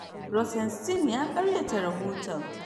Rosenstein ya karyata rahoton.